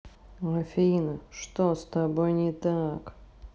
афина что с тобой не так